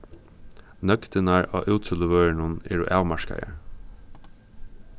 nøgdirnar á útsøluvørunum eru avmarkaðar